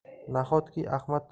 nahotki ahmad tan